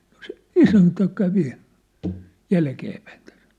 no se isäntä kävi jälkeenpäin tässä